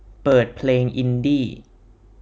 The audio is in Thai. เปิดเพลงอินดี้